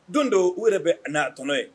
Don don o yɛrɛ bɛ naaɔnɔ ye